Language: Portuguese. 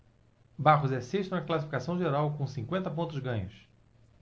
barros é o sexto na classificação geral com cinquenta pontos ganhos